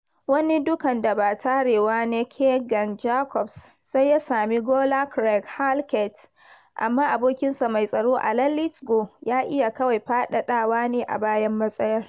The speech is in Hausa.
Wani dukan da ba tarewa na Keaghan Jacobs sai ya sami gola Craig Halkett amma abokinsa mai tsaro Alan Lithgow ya iya kawai faɗaɗawa ne a bayan matsayar.